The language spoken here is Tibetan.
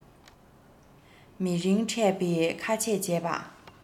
མི རིང ཕྲད པའི ཁ ཆད བྱས པ